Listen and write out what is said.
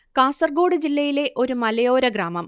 കാസർഗോഡ് ജില്ലയിലെ ഒരു മലയോര ഗ്രാമം